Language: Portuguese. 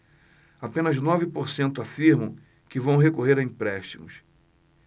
apenas nove por cento afirmam que vão recorrer a empréstimos